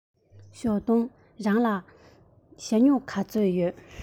ཞའོ ཧུང རང ལ ཞྭ སྨྱུག ག ཚོད ཡོད